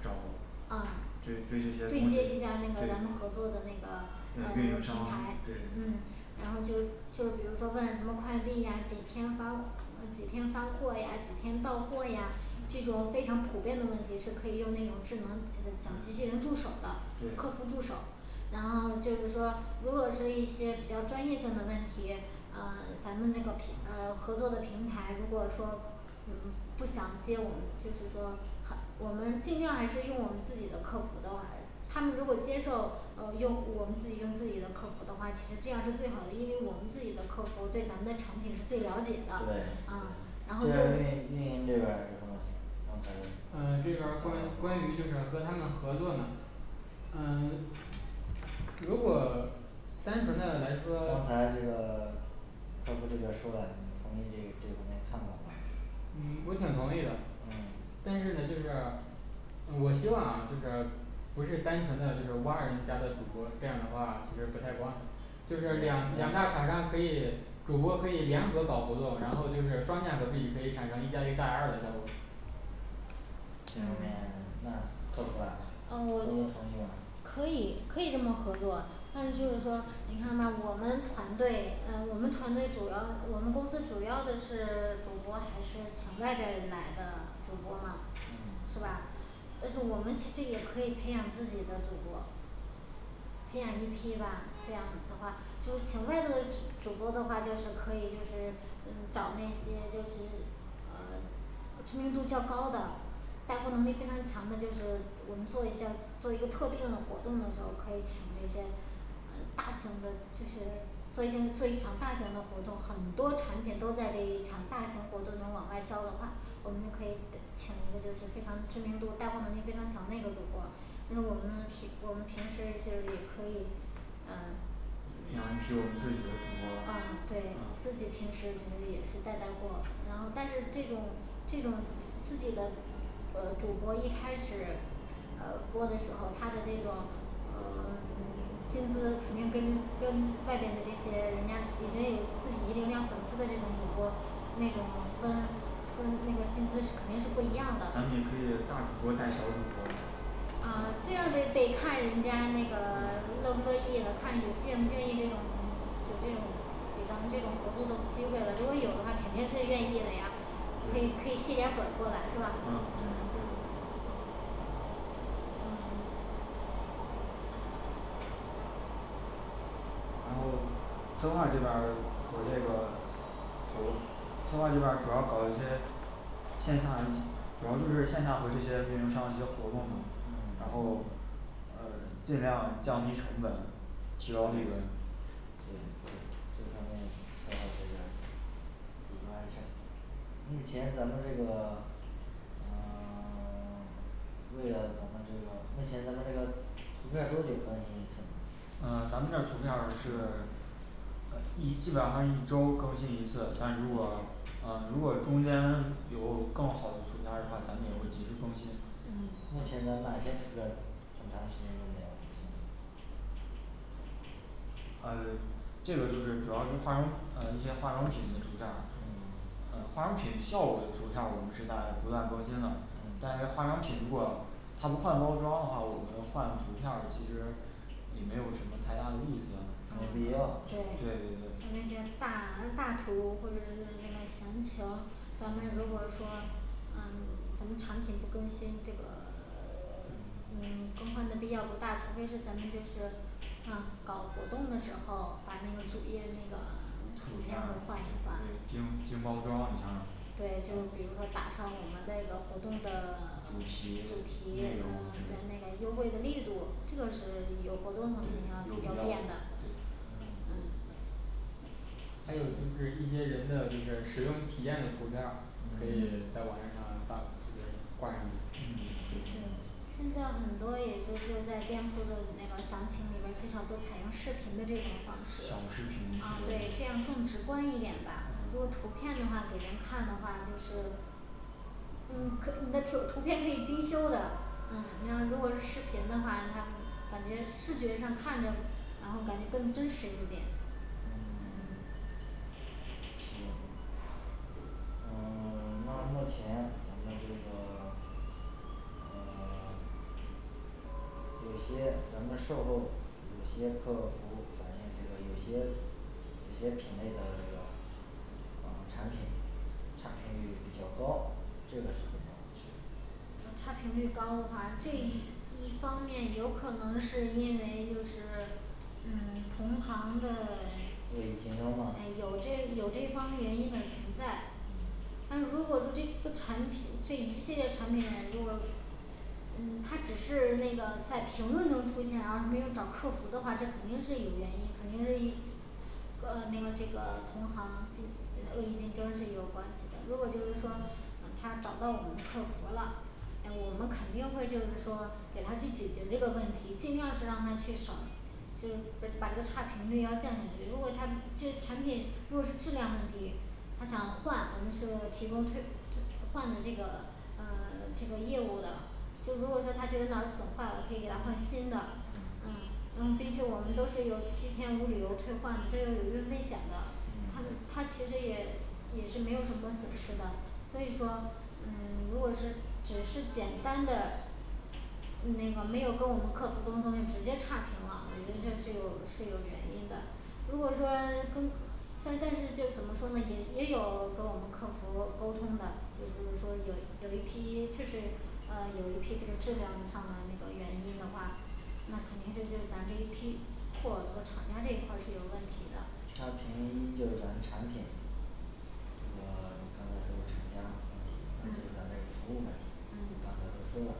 找，啊，对对找接接接替一一下儿，下那个咱们合作的对那个呃运平营商台对，嗯然后就就比如说问什么快递呀几天发户， 几天发货呀，几天到货呀，这种非常普遍的问题是可以用那种智能小机器人助手的客服对助手 然后就是说如果是一些比较专业性的问题，呃咱们那个平嗯合作的平台如果说嗯不想接我们，就是说少我们尽量还是用我们自己的客服的话，他们如果接受呃用我们自己用自己的客服的话，其实这样是最好的，因为我们自己的客服对咱们的产品是最了解对对的，嗯然后这边儿运运营这边儿有什么想？刚才有什嗯这边儿么想法关关于就儿是和他们合作呢，嗯 如果单纯的来说刚，才这个客服这边儿说了，你同意这个这方面看法吗，嗯我挺同意的。嗯但是呢就是我希望啊就是不是单纯的就是挖人家的主播，这样的话其实不太光就是两两大厂商可以主播可以联合搞活动，然后就是双向合璧可以产生一加一大于二的效果嗯嗯这方面那，客服啊客服我觉得同意吗可以可以这么合作，但是就是说嗯你看吧我们团队，呃我们团队主要我们公司主要的是主播还是从外边儿来的主播吗？是嗯吧？但是我们其实也可以培养自己的主播培养一批吧这样的话就是请外头只 主播的话可以就是嗯找那些就是呃知名度较高的，带货能力非常强的，就是我们做一下做一个特定的活动的时候，可以请这些呃大型的就是做一些做一场大型的活动，很多产品都在这一场大型活动中往外销的话，我们就可以请一个就是非常知名度带货能力非常强的一个主播，嗯我们平我们平时就是也可以呃培养一批我们自己的主播吗嗯对自己啊平时就是也是带带货，然后但是这种这种自己的呃主播一开始呃播的时候，他的这种嗯 薪资肯定跟跟外面的这些人家已经有自己一定量粉丝的这种主播，那种分分那个薪资是肯定是不一样的。咱也可以大主播带小主播嘛嗯这样子得看人家那个 乐不乐意了，看愿不愿意这种有这种给咱们这种合作的机会了，如果有的话肯定是愿意的呀可以可以吸点粉儿过来是吧啊对嗯嗯 然后策划这边儿和这个活策划这边儿主要搞一些线上一主要就是线下和这些运营商一些活动嘛，然嗯后呃尽量降低成本，提高利润对对这方面策划这边儿主抓一下儿目前咱们这个嗯 为了咱们这个目前咱们这个图片儿多久更新一次呢嗯咱们这儿图片儿是嗯一基本上是一周儿更新一次，但如果嗯如果中间有更好的图片儿的话，咱们也会及时更新目嗯前咱哪些图片儿很长时间都没有更新了嗯这个就是主要是化妆呃一些化妆品的图片儿呃嗯化妆品效果的图片儿我们是在不断更新的，但嗯是化妆品如果它不换包装的话，我们换图片儿其实也没有什么太大的意思嗯没，必要对对对，像对那些大大图儿或者是那个详情，咱们如果说嗯咱们产品不更新，这个 嗯更换的必要不大，除非是咱们就是嗯搞活动的时候把那个主页那个图片会换一换，精精包装一下儿，对，就比如说打上我们那个活动的 主主题题内容嗯的那个优惠的力度，这个是有活对动肯定要有要必要变的嗯嗯还有就是一些人的就是使用体验的图片儿可以嗯在网页儿上挂就是挂上嗯，去，对现在很多也是现在店铺的那个详情里面儿介绍，都采用视频的这种方式小视，啊频对这样更直观一点吧如果图片嗯的给人看的话就是嗯可你的图 图片可以精修的，嗯那要如果是视频的话，他感觉视觉上看着，然后感觉更真实一点嗯对呃 那目前咱们这个呃 有些咱们售后，有些客服反映这个有些有些品类的这个嗯产品，差评率比较高，这个是怎么回事嗯差评率高的话，这一一方面有可能是因为就是嗯同行的恶意竞争吗唉有这有这方面原因的存在嗯但是如果说这个产品这一系列产品如果嗯他只是那个在评论中出现，然后没有找客服的话，这肯定是有原因，肯定是一呃那个这个同行竞的恶意竞争是有关系的，如果就是说他找到我们客服了，呃我们肯定会就是说给他去解决这个问题，尽量是让他去少就是把 把这个差评率要降下去，如果他这产品如果是质量问题，他想换我们说提供退退换的那个呃这个业务的就如果说他觉得哪儿损坏了，可以给他换新的，嗯嗯那么毕竟我们都是有七天无理由退换的，都要有运费险的，他嗯他其实也也是没有什么损失的，所以说嗯如果是只是简单的那个没有跟我们客服沟通就直接差评了，我觉得这是有是有原因的如果说跟但但是就怎么说，也也有跟我们客服沟通的，就是说有有一批确实呃有一批这个质量上的那个原因的话那肯定就是咱这一批货和厂家这一块儿是有问题的，差评就咱产品这个你刚才说厂家问题，呃就是嗯咱这个服务问题刚嗯才都说了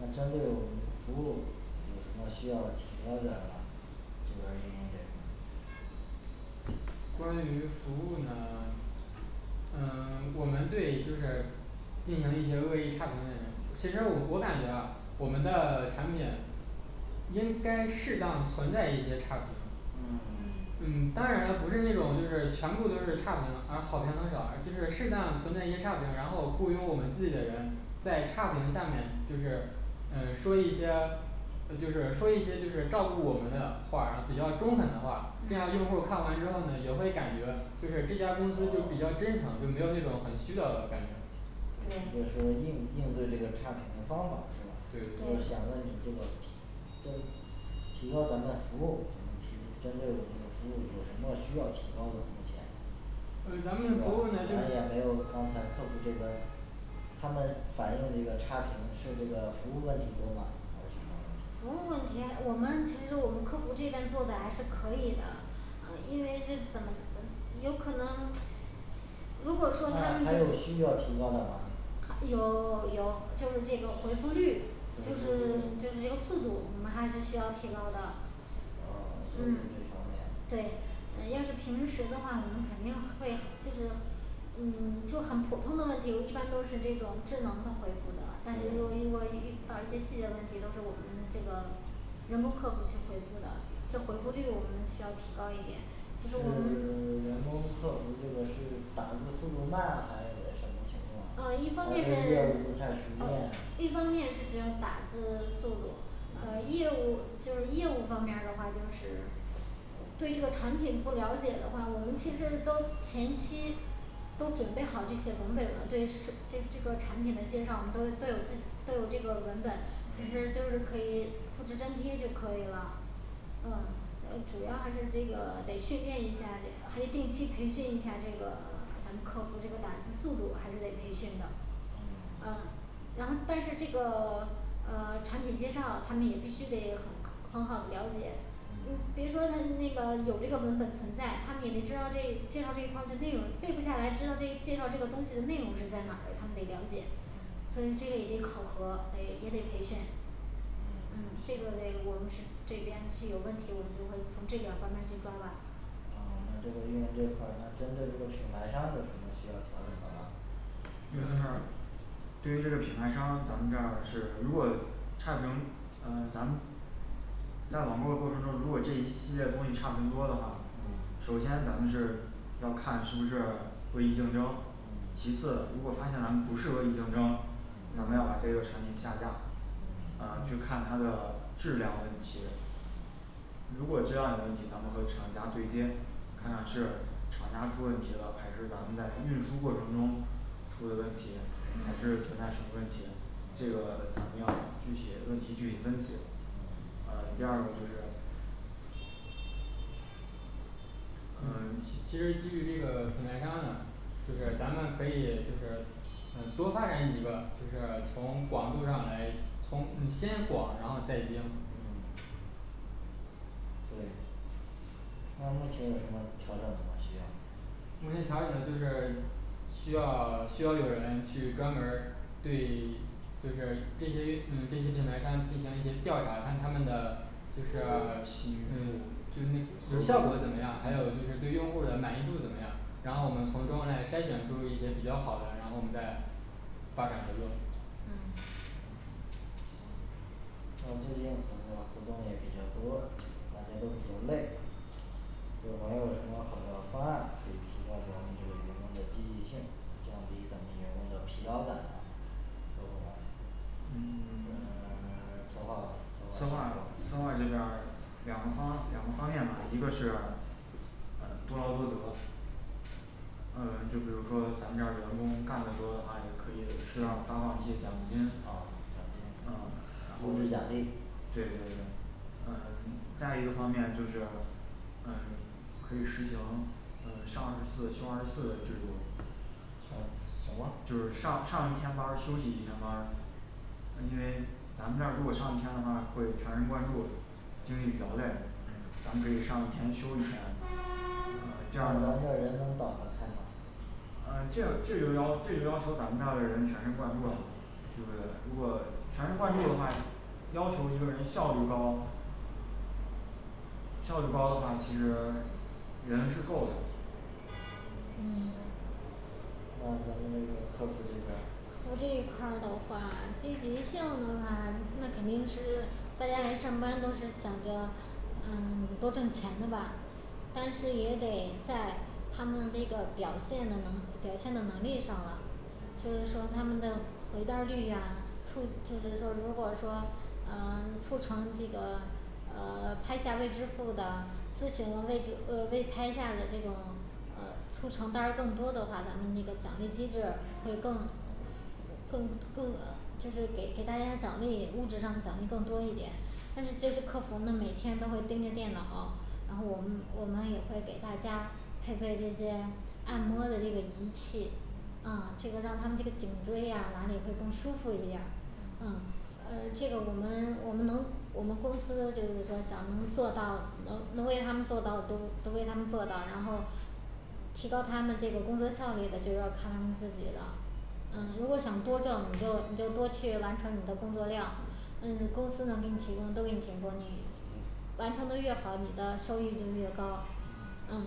嗯，那针对我们这个服务有什么需要提高的吗，这边儿运营这一块儿关于服务呢，嗯 我们对就是进行一些恶意差评的人，其实我我感觉啊我们的产品应该适当存在一些差评嗯嗯嗯当然了不是那种就是全部都是差评，然后好评很少，就是适当存在一些差评，然后雇佣我们自己的人在差评下面，就是诶说一些嗯就是说一些就是照顾我们的话儿然后比较中肯的话儿，这样用户儿嗯看完之后呢也会感觉就是这家公司就比较真哦诚，就没有那种很虚假的感觉就对是应应对这个差评的方法是吧？我就想对对问你这个问题。提高咱们的服务怎么提，针对我们服务有什么需要提高的目前这嗯个咱咱也们没服务呢就有，是刚才客户这边儿，他们反映这个差评是这个服务问题中的还是什么服问题务问题我们其实我们客服这边做的还是可以的，呃因为是怎么嗯有可能那如果说他还们有就，需要提高的吗还有有就是这个回复率，就是 就是这个速度我们还是需要提高的啊，速度嗯这方面对，嗯要是平时的话，我们肯定会就是嗯就很普通的问题，一般都是这种智能的回复的，但是如果如果遇到一些细节的问题都是我们这个人工客服去回复的，就回复率我们需要提高一点，就是是 我们人工客服这个是打字速度慢啊还是个什么情况还嗯一方面是业是务不太熟哦练，一方面是只有打字速度，呃业务就是业务方面儿的话就是呃对这个产品不了解的话，我们其实都嗯前期都准备好这些文本了，对是对这个产品的介绍，我们都会都有自己都有这个文本，其实就嗯是可以复制粘贴就可以了嗯呃主要还是这个得训练一下这个，还得定期培训一下这个，咱们客服这个打字速度还是得培训的嗯嗯然后但是这个呃产品介绍他们也必须得很 很好的了解嗯嗯别说他那个有这个文本存在，他们也得知道这介绍这一块儿的内容背不下来，知道这介绍这个东西的内容是在哪儿，他们得了解，所嗯以这个也得考核得也得培训嗯嗯这个得我们是这边是有问题，我们就会从这两方面儿去抓把。啊那这个运营这一块儿他针对这品牌商有什么需要调整的吗运营这儿对于这品牌商，咱们这儿是如果差评嗯咱们在网购过程中，如果这一系列东西差评多的话，嗯首先咱们是要看是不是恶意竞争，其嗯次如果发现咱们不是恶意竞争，咱们要把这嗯嗯个产品下架，嗯呃去看它的质量问题如果质量有问题，咱们和厂家对接，看看是厂家出问题了，还是咱们在运输过程中出的问题还是存嗯在什么问题，这个咱们要具体问题具体分析嗯嗯第二个就是嗯其其嗯实基于这个品牌商呢就是咱们可以就是嗯多发展几个，就是从广度上来，从嗯先广然后再精嗯对。那目前有什么调整的需要目前调整的就是需要需要有人去专门儿对就是这些嗯这些平台上进行一些调查，看他们的就是寻 嗯就那就效果怎么样，还有对用户儿的满意度怎么样，然后我们从中来筛选出一些比较好的，然后我们再发展合作嗯行行像最近咱们这个活动也比较多，这个大家都比较累，有没有什么好的方案可以提高咱们这个员工的积极性，降低咱们员工的疲劳感呢各部门儿嗯呃 策划吧策划策策划划这先说边儿两个方两个方面吧一个是呃多劳多得嗯就比如说咱们这儿员工干的多的话，也可以适当发放一些奖金啊啊奖，啊，金物质奖励对对对嗯再一个方面就是嗯可以实行呃上二十四休二十四的制度上，什么就是上上一天班儿休息一天班儿，呃因为咱们这儿如果上一天的话会全神贯注精力比较累嗯咱们可以上一天休一天，呃这样咱儿的们的话人能倒的开呃吗？这样儿这就要这就要求咱们这儿的人全神贯注了，对不对？如果全神贯注的话，要求一个人效率高效率高的话，其实人是够的。嗯嗯行那咱们那个客服这边儿客服这一块儿的话，积极性的话那肯定是大家来上班都是想着嗯多挣钱的吧但是也得在他们这个表现的能表现的能力上了，就是嗯说他们的回单儿率呀促，就是说如果说嗯促成这个呃拍下未支付的咨询的未知呃未拍下的这种呃促成单儿，更多的话，咱们那个奖励机制会更更更呃 就是给给大家奖励，物质上奖励更多一点，但是就是客服呢每天都会盯着电脑，然后我们我们也会给大家配备这些按摩的这个仪器啊这个让他们这个颈椎呀哪里会更舒服一点儿。嗯嗯呃这个我们我们能我们公司就是说想能做到，能能为他们做到都都为他们做到，然后提高他们这个工作效率的，就是要看他们自己的，嗯如果想多挣你就你就多去完成你的工作量，那就是公司能给你提供都给你提供，你完成的越好，你的收益就越高嗯嗯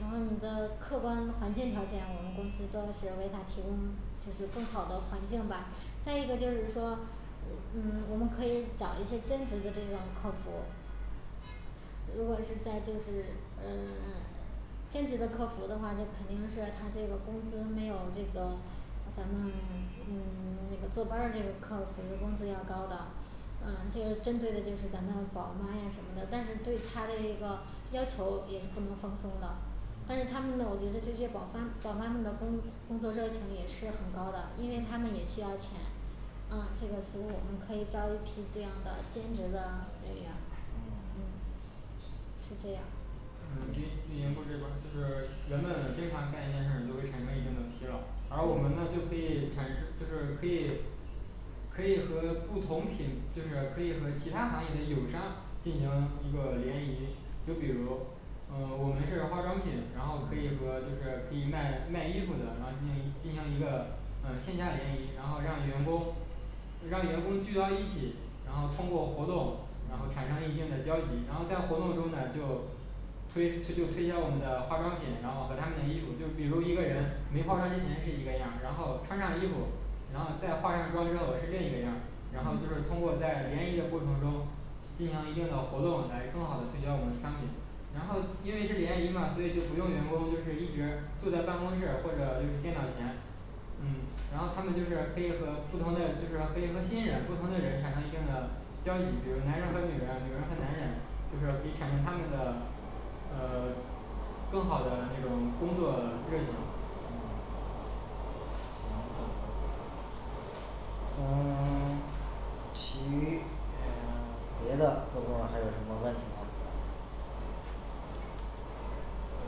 然后你的客观环境条件，我们公司都是为他提供就是更好的环境吧。再一个就是说嗯我们可以找一些兼职的这种客服 如果是在就是嗯 兼职的客服的话，就肯定是他这个工资没有这个。咱们嗯 那个坐班儿这个客服的工资要高的嗯这个针对的就是咱们宝妈呀什么的，但是对她的一个要求也是不能放松的。但嗯是她们呢我觉得这些宝爸宝妈们的工工作热情也是很高的，因为她嗯们也需要钱啊这个是我们可以招一批这样的兼职的人员，嗯嗯是这样嗯运运营部这边儿就是人们经常干一件事儿就会产生一定的疲劳，而我们呢就可以产生 就是可以可以和不同品就是可以和其他行业的友商进行一个联谊，就比如嗯我们是化妆品，然后可以和就是可以卖卖衣服的，然后进行一进行一个呃线下联谊，然后让员工让员工聚到一起，然后通过活动然后产生一定的交集，然后在活动中呢就推推就推销我们的化妆品，然后和他们的衣服，就比如一个人没化妆之前是一个样儿，然后穿上衣服，然后再化上妆之后是另一个样儿，然后就是嗯通过在联谊的过程中进行了一定的活动，来更好的推销我们的商品然后因为是联谊嘛，所以就不用员工就是一直坐在办公室或者就是电脑儿前嗯然后他们就是可以和不同的就是可以和新人不同的人产生一定的交集，比如男人和女人女人和男人就是可以产生他们的呃更好的那种工作热情嗯行好的，嗯 其余嗯 别的各部门儿还有什么问题吗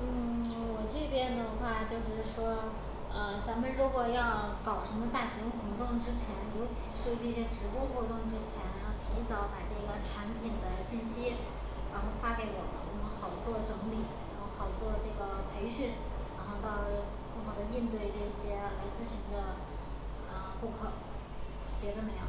嗯 我这边的话就是说呃咱们如果要搞什么大型活动之前，尤其是这些直播活动之前，要提早把这个产品的信息然后发给我们，我们好做整理，然后好做这个培训，然后到更好的应对这些来咨询的嗯顾客，别的没有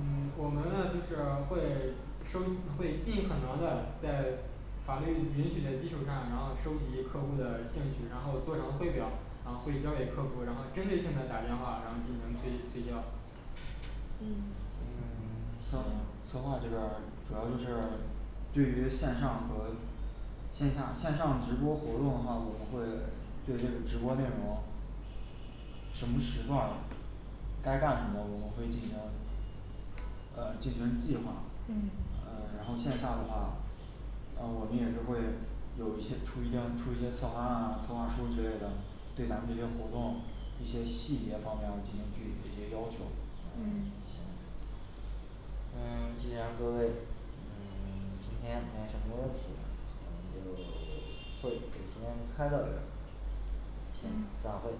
嗯 我们呢就是会收会尽可能的在法律允许的基础上，然后收集客户的兴趣，然后做成汇表儿，然后会交给客服然后针对性的打电话然后进行推推销嗯嗯策 策行划这边儿主要就是对于线上和线下线上直播活动的话，我们会对这个直播内容什么时段儿该干什么我们会进行呃进行计划。嗯嗯然后线下的话嗯我们也是会有一些出一定出一些策划案啊策划书之类的，对咱们这些活动一些细节方面儿进行具体的一些要求嗯嗯行嗯既然各位嗯 今天没什么问题了，我们就 会就先开到这儿。行嗯散会